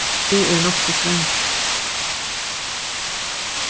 eg eri nokk so svangur